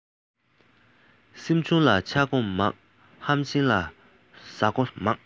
སེམས ཆུང ལ ཆགས སྒོ མང ཧམ ཆེན ལ ཟ སྒོ མང